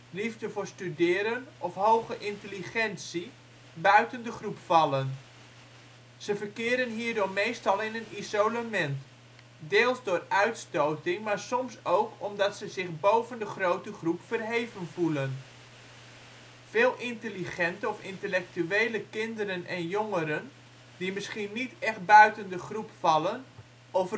liefde voor studeren of hoge intelligentie buiten de groep vallen. Ze verkeren hierdoor meestal in isolement, deels door uitstoting maar soms ook omdat ze zich boven de grote groep verheven voelen. Veel intelligente of intellectuele kinderen en jongeren die misschien niet echt buiten de groep vallen of